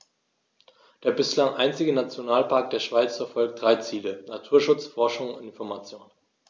Der bislang einzige Nationalpark der Schweiz verfolgt drei Ziele: Naturschutz, Forschung und Information.